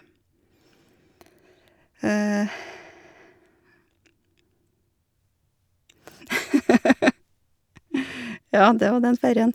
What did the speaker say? Ja, det var den ferien.